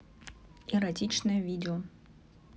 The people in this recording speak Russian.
эротичное видео